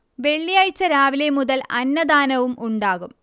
വെള്ളിയാഴ്ച രാവിലെ മുതൽ അന്നദാനവും ഉണ്ടാകും